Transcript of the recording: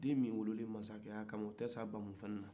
den min wolola mansakɛya kama o tɛ sa bamunan na